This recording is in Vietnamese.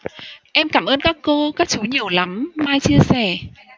em cảm ơn các cô các chú nhiều lắm mai chia sẻ